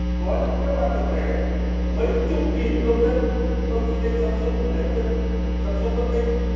có những bếp ăn tập thể mấy chục nghìn công nhân các đồng chí lên sam sung ở thái nguyên sam sung bắc ninh